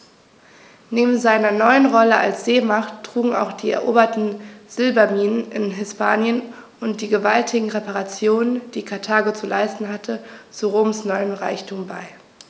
Neben seiner neuen Rolle als Seemacht trugen auch die eroberten Silberminen in Hispanien und die gewaltigen Reparationen, die Karthago zu leisten hatte, zu Roms neuem Reichtum bei.